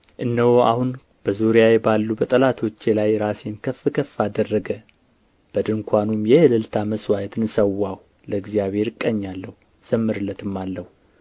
እነሆ አሁን በዙሪያ ባሉ በጠላቶቼ ላይ ራሴን ከፍ ከፍ አደረገ በድንኳኑም የእልልታ መሥዋዕትን ሠዋሁ ለእግዚአብሔር እቀኛለሁ እዘምርለትማለሁ